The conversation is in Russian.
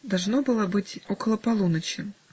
Должно было быть около полуночи.